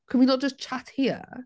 Can we not just chat here?